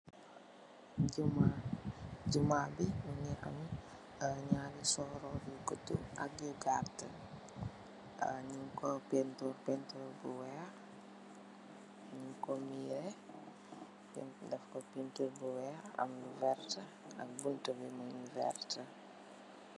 Jumma Jumma bi mongi am naari soruu bu gudu ak yu gata nyun ko painturr painturr bu weex nyun ki meere def ko painturr bu weex am lu vertax ak bunta bi mongi gata.